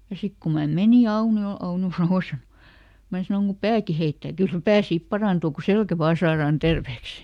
ja sitten kun minä menin Auniolle Aunio sanoi minä sanoin kun pääkin heittää kyllä pää sitten parantuu kun selkä vain saadaan terveeksi